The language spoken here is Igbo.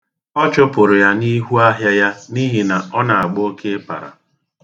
Ọ chụpụrụ ya n'ihu ahịa ya n'ihi na ọ na-agba oke ịpara.